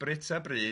Brit a Bryd.